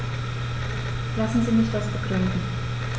Lassen Sie mich das begründen.